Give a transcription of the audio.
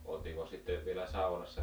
oltiinko sitten vielä saunassa -